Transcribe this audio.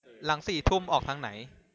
หลังสี่ทุ่มออกทางไหน